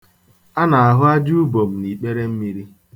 A na-ahụ aja ubom n'ikperemmiri.